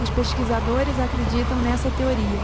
os pesquisadores acreditam nessa teoria